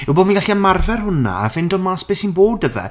yw bod fi'n gallu ymarfer hwnna a ffindo mas be sy'n bod 'da fe.